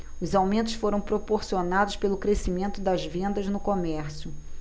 os aumentos foram proporcionados pelo crescimento das vendas no comércio